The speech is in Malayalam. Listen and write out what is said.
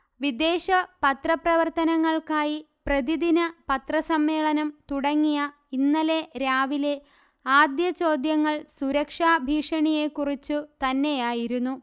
വിദേശ പത്ര പ്രവർത്തകർക്കായി പ്രതിദിന പത്ര സമ്മേളനം തുടങ്ങിയ, ഇന്നലെ രാവിലെ ആദ്യ ചോദ്യങ്ങൾ സുരക്ഷാ ഭീഷണിയെക്കുറിച്ചു തന്നെയായിരുന്നു